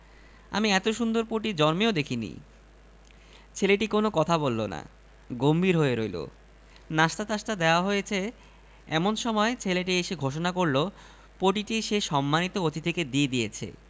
একজন সংস্কৃতি মনা মহিলাকে আমি চিনতাম যিনি আমার লেখালেখি নিয়ে নানান সময় উচ্ছাস প্রকাশ করছেন